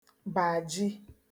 bàji